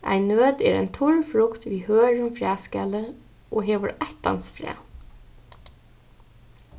ein nøt er ein turr frukt við hørðum fræskali og hevur eittans fræ